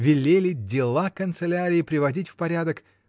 велели дела канцелярии приводить в порядок.